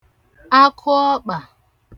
akụọkpà